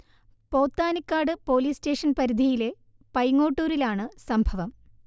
Pothanikkad police station പരിധിയിലെ പൈങ്ങോട്ടൂരിലാണ് സംഭവം